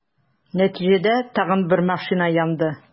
Нәтиҗәдә, тагын бер машина янды.